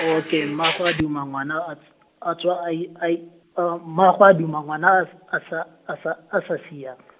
okay, mma gwe a duma ngwana a tsw- a tswa a i-, a i, mma gwe a duma ngwana, a s- a sa, a sa a sa sia .